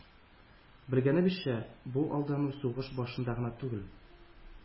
Белгәнебезчә, бу алдану сугыш башында гына түгел,